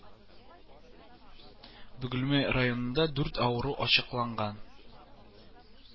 Бөгелмә районында дүрт авыру ачыкланган